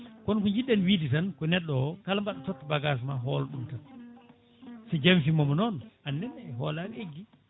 kono ko jiɗɗen wiide tan ko neɗɗo o kala mbaɗa totta bagage ma hoolo ɗum tan so jamfimama noon anenne hoolare eggui